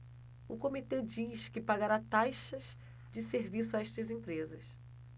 o comitê diz que pagará taxas de serviço a estas empresas